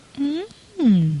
Hmm.